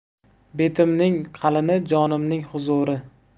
betimning qalini jonimning huzuri